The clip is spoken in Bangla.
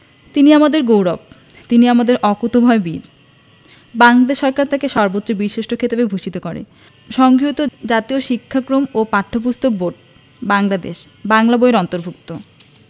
তিনি আমাদের গৌরব তিনি আমাদের অকুতোভয় বীর বাংলাদেশ সরকার তাঁকে সর্বোচ্চ বীরশ্রেষ্ঠ খেতাবে ভূষিত করে সংগৃহীত জাতীয় শিক্ষাক্রম ও পাঠ্যপুস্তক বোর্ড বাংলাদেশ বাংলা বই এর অন্তর্ভুক্ত